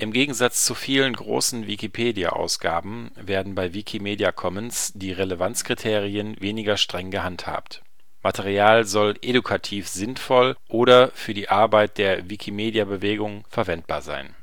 Gegensatz zu vielen großen Wikipedia-Ausgaben werden bei Wikimedia Commons die Relevanzkriterien weniger streng gehandhabt. Material soll edukativ sinnvoll oder für die Arbeit der Wikimedia-Bewegung verwendbar sein